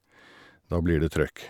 Da blir det trøkk.